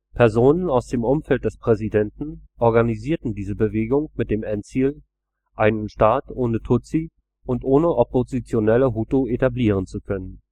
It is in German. Personen aus dem Umfeld des Präsidenten organisierten diese Bewegung mit dem Endziel, einen Staat ohne Tutsi und ohne oppositionelle Hutu etablieren zu können